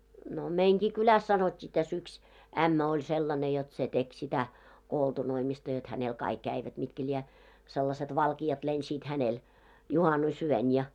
no meidänkin kylässä sanottiin tässä yksi ämmä oli sellainen jotta se teki sitä koltunoimista jotta hänellä kaikki kävivät mitkä lie sellaiset valkeat lensivät hänellä juhannusyönä ja